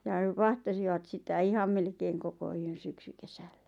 ja vahtasivat sitä ihan melkein koko yön syksykesällä